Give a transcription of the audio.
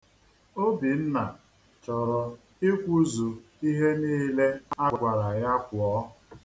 Obinna chọrọ ikwụzu ihe niile a gwara ya kwụọ.